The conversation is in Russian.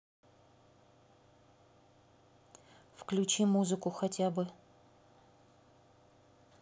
включи музыку хотя бы